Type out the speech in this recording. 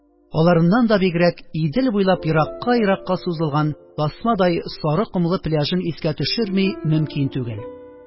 Аларыннан да бигрәк, идел буйлап еракка-еракка сузылган тасмадай сары комлы пляжын искә төшерми мөмкин түгел.